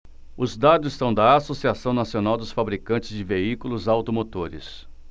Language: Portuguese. os dados são da anfavea associação nacional dos fabricantes de veículos automotores